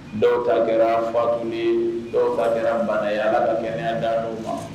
Dɔw ta kɛra fatuli ye dɔw ta kɛra bana ye Ala ka kɛnɛya da nu ma.